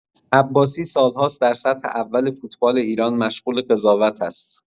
عباسی سال‌هاست در سطح اول فوتبال ایران مشغول قضاوت است.